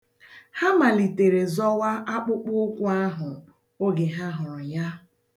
Ha malitere zọwa akpụkpụụkwụ ahụ oge ha hụrụ ya.